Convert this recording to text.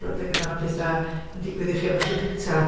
Adeg yna mae pethau yn digwydd i chi am y tro cyntaf.